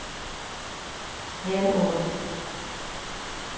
vel orð